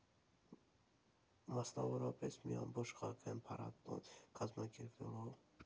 Մասնավորապես՝ մի ամբողջ քաղաքային փառատոն կազմակերպելով։